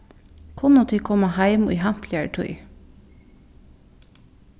kunnu tit koma heim í hampiligari tíð